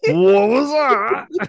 What was that?